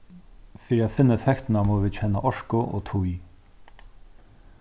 fyri at finna effektina mugu vit kenna orku og tíð